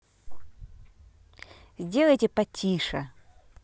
сделайте потише